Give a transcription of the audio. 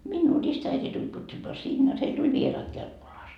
minua ristiäiti tuli pyytämään sinne jotta heille tuli vieraat Kelkkolasta